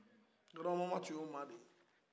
grabamama tun ye o maa de ye